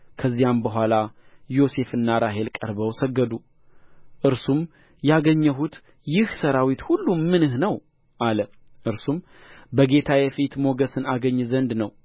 ከዚያም በኋላ ዮሴፍና ራሔል ቀርበው ሰገዱ እርሱም ያገኘሁት ይህ ሠራዊት ሁሉ ምንህ ነው አለ እርሱም በጌታዬ ፊት ሞገስን አገኝ ዘንድ ነው